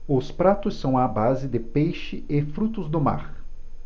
os pratos são à base de peixe e frutos do mar